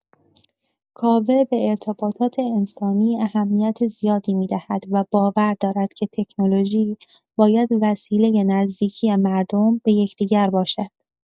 کاوه به ارتباطات انسانی اهمیت زیادی می‌دهد و باور دارد که تکنولوژی باید وسیله نزدیکی مردم به یکدیگر باشد.